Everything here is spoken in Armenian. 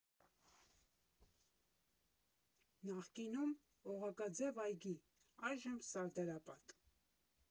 Նախկինում՝ Օղակաձև այգի, այժմ՝ Սարդարապատ։